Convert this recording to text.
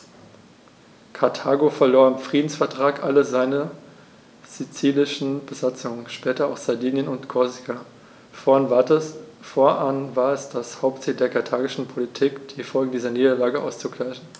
Karthago verlor im Friedensvertrag alle seine sizilischen Besitzungen (später auch Sardinien und Korsika); fortan war es das Hauptziel der karthagischen Politik, die Folgen dieser Niederlage auszugleichen.